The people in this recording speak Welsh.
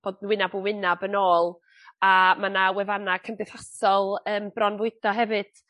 bod yn wynab yn wynab yn ôl a ma' 'na wefanna cymdeithasol yym bronfwydo hefyd